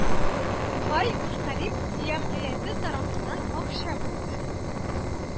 Кай уралсиб әмгыяте тарафыннан акча бүлде